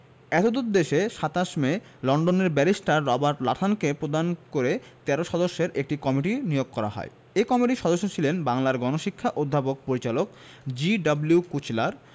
এতদুদ্দেশ্যে ২৭ মে লন্ডনের barrister Robert নাথানকে প্রধান করে ১৩ সদস্যের একটি কমিটি নিয়োগ করা হয় এ কমিটির সদস্য ছিলেন বাংলার গণশিক্ষা অধিদপ্তরের পরিচালক জি.ডব্লিউ কুচলার